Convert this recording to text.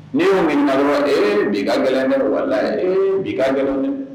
N'i y'o ɲininka dɔrɔn ee bi ka gɛlɛn dɛ walahi ee bi ka gɛlɛn dɛ